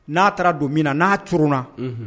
N'a taara don min na n'a coronna unhun